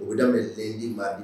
Oda bɛ seji' bi